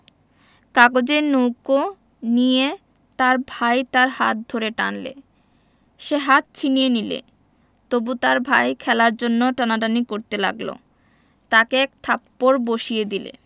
কাগজের নৌকো নিয়ে তার ভাই তার হাত ধরে টানলে সে হাত ছিনিয়ে নিলে তবু তার ভাই খেলার জন্যে টানাটানি করতে লাগল তাকে এক থাপ্পড় বসিয়ে দিলে